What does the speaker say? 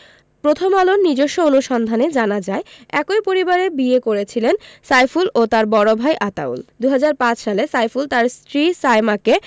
প্রথম আলোর নিজস্ব অনুসন্ধানে জানা যায় একই পরিবারে বিয়ে করেছিলেন সাইফুল ও তাঁর বড় ভাই আতাউল ২০০৫ সালে সাইফুল তাঁর স্ত্রী সায়মাকে